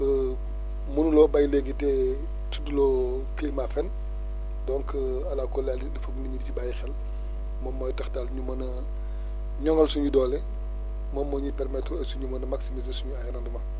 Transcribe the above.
munuloo béy léegi te tuddloo climat fenn donc allah kulli àlli il foog nit ñi di ci bàyyi xel moommooy tax daal ñu mën a ñoŋal suñu doole moom moo ñuy permettre aussi ñu mën a maximiser suñu ay rendements